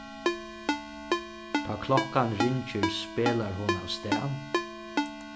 tá klokkan ringir spelar hon avstað